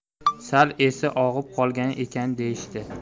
sal esi og'ibroq qolgan ekan deyishdi